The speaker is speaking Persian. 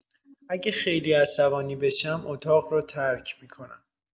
اگه خیلی عصبانی بشم، اتاق رو ترک می‌کنم.